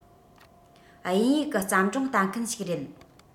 དབྱིན ཡིག གི བརྩམས སྒྲུང ལྟ མཁན ཞིག རེད